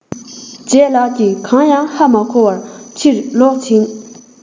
ལྗད ལགས ཀྱིས གང ཡང ཧ མ གོ བར ཕྱིར ལོག ཕྱིན